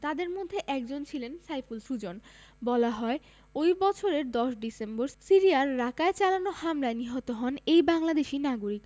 তাঁদের মধ্যে একজন ছিলেন সাইফুল সুজন বলা হয় ওই বছরের ১০ ডিসেম্বর সিরিয়ার রাকায় চালানো হামলায় নিহত হন এই বাংলাদেশি নাগরিক